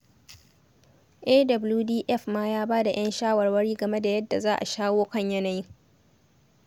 AWDF ma ya ba da 'yan shawarwari game da yadda za a shawo kan yanayin.